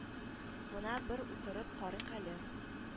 Гына бер утырып карыйк әле